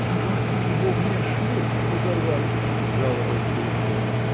— Собаки его мне шлейф разорвали! — жаловалась Крицкая.